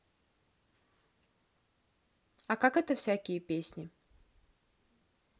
а как это всякие песни